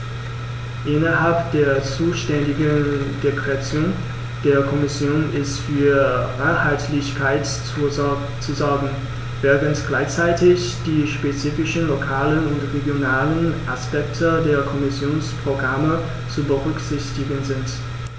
Innerhalb der zuständigen Direktion der Kommission ist für Einheitlichkeit zu sorgen, während gleichzeitig die spezifischen lokalen und regionalen Aspekte der Kommissionsprogramme zu berücksichtigen sind.